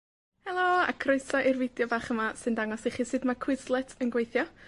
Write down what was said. Helo, a croeso i'r fideo bach yma sy'n dangos i chi sut ma' Quizlet yn gweithio